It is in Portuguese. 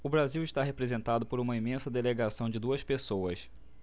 o brasil está representado por uma imensa delegação de duas pessoas